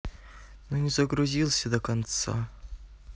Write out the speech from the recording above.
но не загрузился до конца